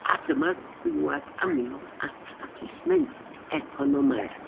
A dyma dŵad â mi at y plismyn eponomaidd.